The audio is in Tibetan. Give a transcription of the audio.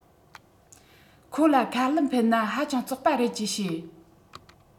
ཁོ ལ ཁ ལུད འཕེན ན ཧ ཅང རྩོག པ རེད ཅེས བཤད